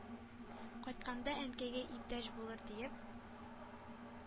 Кайтканда әнкәйгә иптәш булыр диеп,